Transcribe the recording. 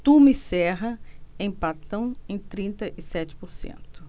tuma e serra empatam em trinta e sete por cento